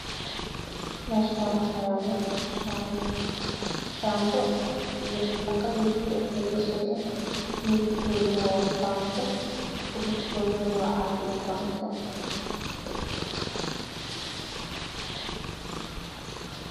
Meeshaan waxa yaallo shanbo iyo nafaqadeed oo kondheeshan eh midibkooda waa faanto firurkooda waa cad iyo fantto